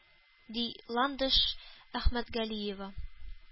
Ди ландыш әхмәтгалиева.